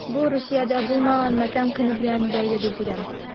Бу Русиядә булган матәм көне белән бәйле дип беләм...